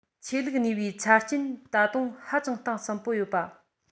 ཆོས ལུགས གནས པའི ཆ རྐྱེན ད དུང ཧ ཅང གཏིང ཟབ པོ ཡོད པ